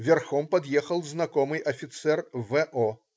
Верхом подъехал знакомый офицер В-о.